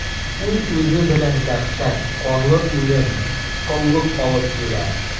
Ул үзе белән дәһшәт, канлы үлем, коллык алып килә.